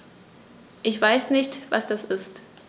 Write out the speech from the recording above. Ich weiß nicht, was das ist.